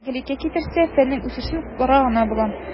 Әгәр игелеккә китерсә, фәннең үсешен хупларга гына була.